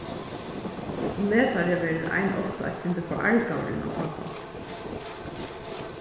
sum lesari verður ein ofta eitt sindur forargaður inn á pápan